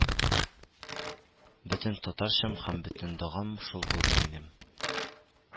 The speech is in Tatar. Бөтен татарчам һәм бөтен догам шул булды минем